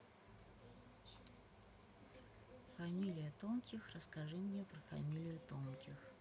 familia тонких расскажи мне про фамилию тонких